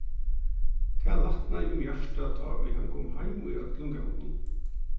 tað lætnaði um hjartað tá ið hann kom heim í øllum góðum